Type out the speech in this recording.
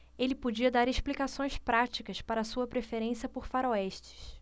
ele podia dar explicações práticas para sua preferência por faroestes